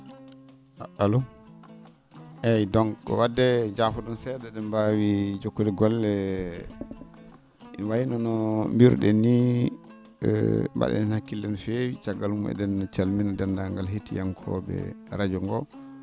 alo eeyi donc wadde jaafo?on see?a e?en mbaawi jokkude golle ene wayino no mbiru?en nii e mba?en heen hakkille no feewi caggal mum e?en calmina denndaangal yetiyankoo?e radio ngoo